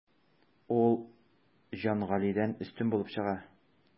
Ул Җангалидән өстен булып чыга.